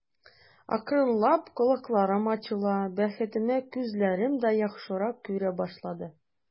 Акрынлап колакларым ачыла, бәхетемә, күзләрем дә яхшырак күрә башлады.